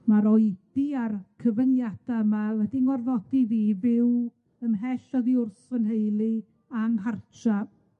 Ma'r oedi a'r cyfyngiada 'ma wedi ngorfodi fi i fyw ymhell oddi wrth fy nheulu a'n nghartra,